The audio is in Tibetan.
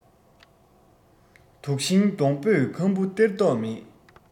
དུག ཤིང སྡོང པོས ཁམ བུ སྟེར མདོག མེད